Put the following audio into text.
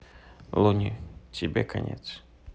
loony тебе конец